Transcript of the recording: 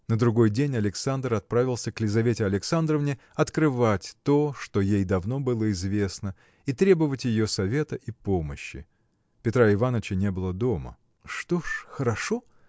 На другой день Александр отправился к Лизавете Александровне открывать то что ей давно было известно и требовать ее совета и помощи. Петра Иваныча не было дома. – Что ж, хорошо!